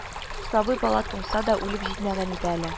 Сабый бала туңса да, үлеп җитмәгән иде әле